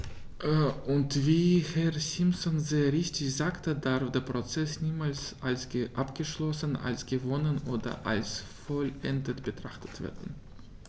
Und wie Herr Simpson sehr richtig sagte, darf der Prozess niemals als abgeschlossen, als gewonnen oder als vollendet betrachtet werden.